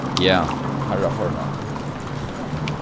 ja harra formaður